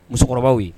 Musokɔrɔbaw ye.